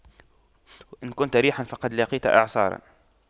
إن كنت ريحا فقد لاقيت إعصارا